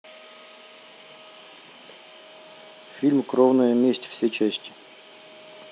фильм кровная месть все части